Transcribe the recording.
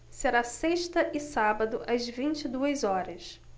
será sexta e sábado às vinte e duas horas